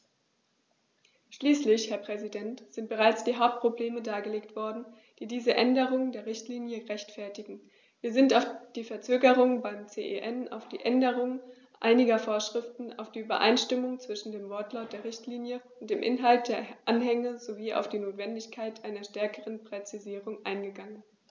Schließlich, Herr Präsident, sind bereits die Hauptprobleme dargelegt worden, die diese Änderung der Richtlinie rechtfertigen, wir sind auf die Verzögerung beim CEN, auf die Änderung einiger Vorschriften, auf die Übereinstimmung zwischen dem Wortlaut der Richtlinie und dem Inhalt der Anhänge sowie auf die Notwendigkeit einer stärkeren Präzisierung eingegangen.